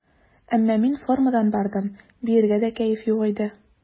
Әмма мин формадан бардым, биергә дә кәеф юк иде.